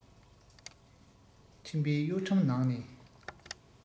འཕྲིན པས གཡོ ཁྲམ ནང ནས